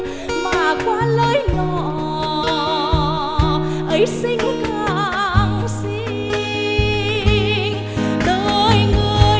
mà qua lối nhỏ ấy xinh càng xinh đời người lính anh